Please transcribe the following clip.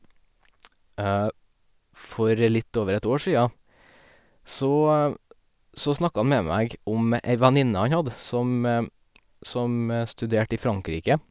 For litt over ett år sia så så snakka han med meg om ei venninne han hadde som som studerte i Frankrike.